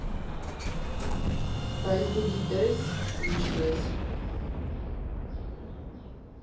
Բայց դու գիտե՞ս, ի՞նչն ես…